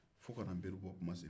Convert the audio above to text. fo ka na nperu bɔ tuma se